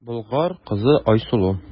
Болгар кызы Айсылу.